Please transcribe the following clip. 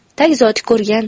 tag zoti ko'rgan